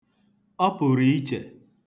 Ọ pụrụ iche.